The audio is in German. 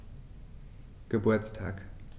Geburtstag